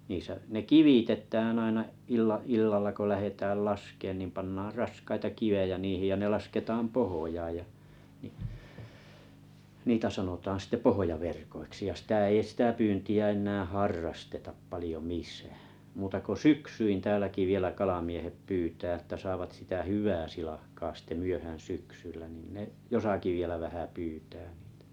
niissä ne kivitetään aina - illalla kun lähdetään laskemaan niin pannaan raskaita kiviä niihin ja ne lasketaan pohjaan ja niin niitä sanotaan sitten pohjaverkoiksi ja sitä ei sitä pyyntiä enää harrasteta paljon missään muuta kuin syksyin täälläkin vielä kalamiehet pyytää että saavat sitä hyvää silakkaa sitten myöhään syksyllä niin ne jossakin vielä vähän pyytää niitä